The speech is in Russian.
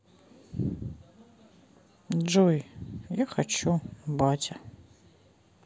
джой я хочу батя